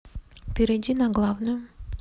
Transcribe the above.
перейди на главную